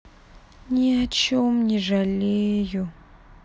ни о чем не жалею